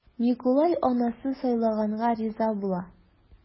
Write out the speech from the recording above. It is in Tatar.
Микулай анасы сайлаганга риза була.